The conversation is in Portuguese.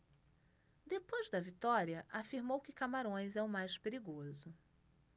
depois da vitória afirmou que camarões é o mais perigoso